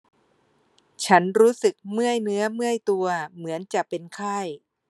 ฉันรู้สึกเมื่อยเนื้อเมื่อยตัวเหมือนจะเป็นไข้